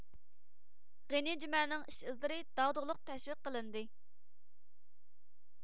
غېنى جۈمەنىڭ ئىش ئىزلىرى داغدۇغىلىق تەشۋىق قىلىندى